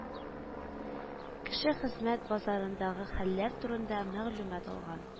Кеше хезмәт базарындагы хәлләр турында мәгълүмат алган